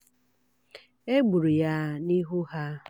E gburu ya n'ihu ha.